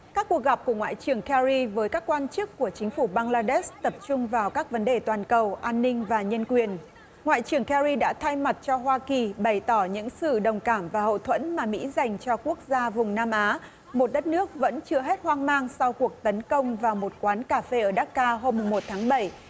các cuộc gặp của ngoại trưởng ke ri với các quan chức của chính phủ băng la đét tập trung vào các vấn đề toàn cầu an ninh và nhân quyền ngoại trưởng ke ri đã thay mặt cho hoa kỳ bày tỏ những sự đồng cảm và hậu thuẫn mà mỹ dành cho quốc gia vùng nam á một đất nước vẫn chưa hết hoang mang sau cuộc tấn công vào một quán cà phê ở đắc ca hôm mùng một tháng bảy